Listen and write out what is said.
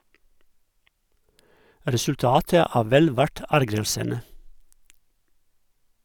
Resultatet er vel verdt ergrelsene.